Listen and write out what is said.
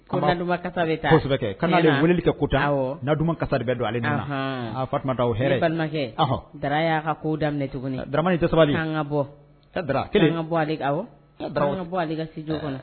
Ko na duman kasa bɛ taa kosɛbɛ kɛ ko n'ale ye weleli kɛ ko tan awɔ na duman kasa de bɛ don ale nun na anhaan a Fatumata o ye hɛrɛ ye ne balimakɛ ɔhɔ Dra y'a ka ko daminɛ tuguni Dramani i tɛ sabali k'an ŋa bɔ ale ka awɔ k'an ŋa bɔ ale ka studio kɔnɔ